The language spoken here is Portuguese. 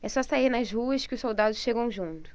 é só sair nas ruas que os soldados chegam junto